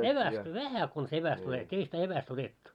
evästä vähän konsa evästä otettiin ei sitä evästä otettu